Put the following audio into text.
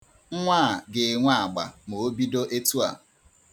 Nwa a ga-enwe agba ma o bido etu a.